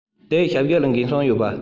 དེའི ཞབས ཞུ ལ འགན སྲུང ཡོད པ